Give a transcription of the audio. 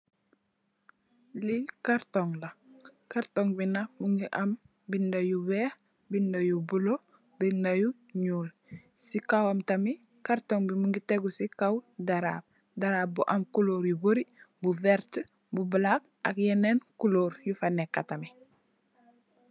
Li karton la, karton bi nak mugii am bindé yu wèèx bindé yu bula , bindé yu ñuul. Si kawwam tamid karton bi mugii tégu ci kaw darap, darap bu am kulor yu barri, bu werta, bu black ak yenen kulor yu fa nekka tamid.